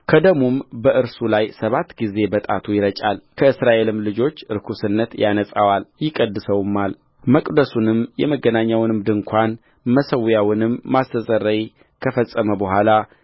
ከደሙም በእርሱ ላይ ሰባት ጊዜ በጣቱ ይረጫል ከእስራኤልም ልጆች ርኵስነት ያነጻዋል ይቀድሰውማልመቅደሱንም የመገናኛውንም ድንኳን መሠዊያውንም ማስተስረይ ከፈጸመ በኋላ